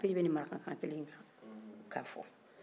u bɛɛ be ka ni maraka kan kelen de kan ka fɔ